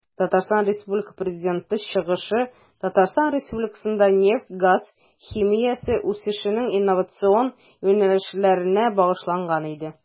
ТР Президенты чыгышы Татарстан Республикасында нефть-газ химиясе үсешенең инновацион юнәлешләренә багышланган иде.